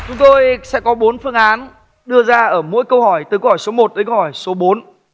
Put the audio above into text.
chúng tôi sẽ có bốn phương án đưa ra ở mỗi câu hỏi từ câu hỏi số một tới câu hỏi số bốn